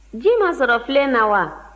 ji ma sɔrɔ filen na wa